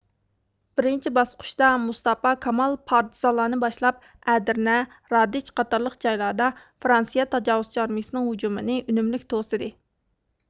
بىرىنچى باسقۇچتا مۇستاپا كامال پارتىزانلارنى باشلاپ ئەدىرنە رادېچ قاتارلىق جايلاردا فرانسىيە تاجاۋۇزچى ئارمىيىسىنىڭ ھۇجۇمىنى ئۈنۈملۈك توسىدى